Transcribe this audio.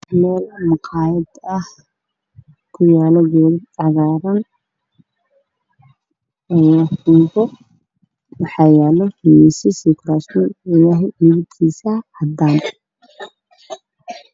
Meeshaan maqaayad ah ku yaalo geedad cagaaran waxaa yaalo miisas iyo kuraas miin midabkiisa cadaan.